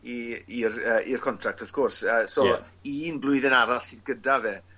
i i'r yy i'r contract wth gwrs yy so... Ie. ...un blwyddyn arall sydd gyda fe...